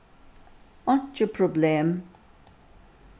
einki problem